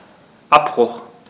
Abbruch.